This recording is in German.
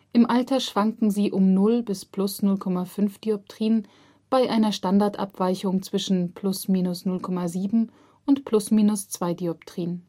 Im Alter schwanken sie um 0 bis +0,5 dpt bei einer Standardabweichung zwischen ± 0,7 und ± 2 dpt.